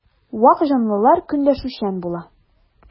Вак җанлылар көнләшүчән була.